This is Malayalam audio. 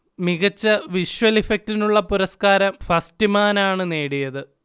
മികച്ച വിഷ്വൽ ഇഫക്ടിനുള്ള പുരസ്ക്കാരം ഫസ്റ്റ്മാനാണ് നേടിയത്